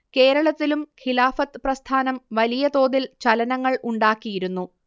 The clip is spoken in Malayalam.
കേരളത്തിലും ഖിലാഫത്ത് പ്രസ്ഥാനം വലിയ തോതിൽ ചലനങ്ങൾ ഉണ്ടാക്കിയിരുന്നു